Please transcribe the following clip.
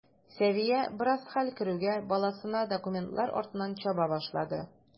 Сәвия, бераз хәл керүгә, баласына документлар артыннан чаба башлады.